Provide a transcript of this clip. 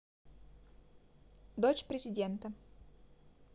дочь президента